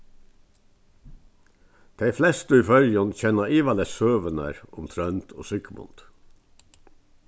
tey flestu í føroyum kenna ivaleyst søgurnar um trónd og sigmund